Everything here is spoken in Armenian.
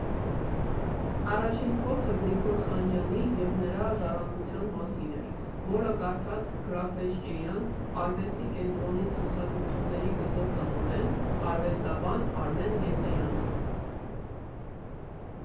Առաջին փորձը Գրիգոր Խանջյանի և նրա ժառանգության մասին էր, որը կարդաց Գաֆէսճեան արվեստի կենտրոնի ցուցադրությունների գծով տնօրեն, արվեստաբան Արմեն Եսայանցը։